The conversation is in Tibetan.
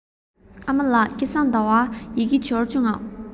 ཨ མ ལགས སྐལ བཟང ཟླ བའི ཡི གེ འབྱོར བྱུང ངམ